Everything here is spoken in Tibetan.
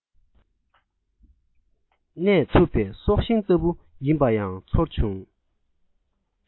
གནས ཐུབ པའི སྲོག ཤིང ལྟ བུ ཡིན པ ཡང ཚོར བྱུང